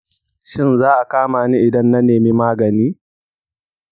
shin za a kama ni idan na nemi magani?